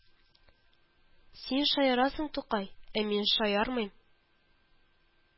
Син шаярасың, Тукай, ә мин шаярмыйм